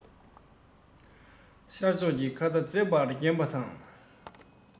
ཤར ཕྱོགས ཀྱི མཁའ མཐའ མཛེས པར བརྒྱན པ དང